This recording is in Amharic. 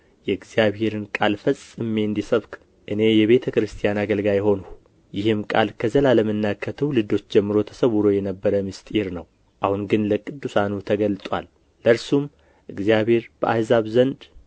የእግዚአብሔርን ቃል ፈጽሜ እንድሰብክ እኔ የቤተ ክርስቲያን አገልጋይ ሆንሁ ይህም ቃል ከዘላለምና ከትውልዶች ጀምሮ ተሰውሮ የነበረ ምሥጢር ነው አሁን ግን ለቅዱሳኑ ተገልጦአል ለእነርሱም እግዚአብሔር በአሕዛብ ዘንድ